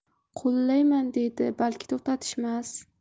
qo'llayman deydi balki to'xtatishmas